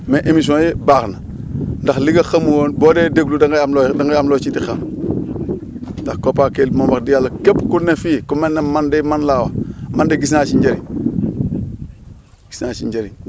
mais émissions yi baax na ndax li nga xamul woon boo dee déglu da ngay am looy da ngay am loo ciy * ndax COPACEL moom wax dëgg yàlla képp ku ne fii ku mel ne man de man laa wax man de gis naa ci njëriñ gis naa si njëriñ